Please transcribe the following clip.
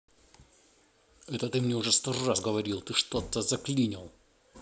это ты мне уже сто раз говорил ты что то заклинил